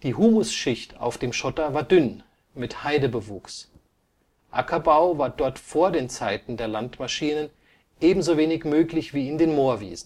Humusschicht auf dem Schotter war dünn, mit Heidebewuchs. Ackerbau war dort vor den Zeiten der Landmaschinen ebenso wenig möglich wie in den Moorwiesen